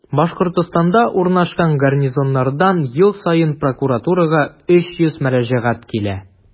Башкортстанда урнашкан гарнизоннардан ел саен прокуратурага 300 мөрәҗәгать килә.